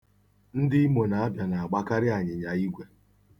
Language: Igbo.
Ndị Imo na Abịa na-agbakarị ànyị̀nyà igwè